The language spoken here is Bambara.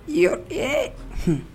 I yɔr ɛɛ hun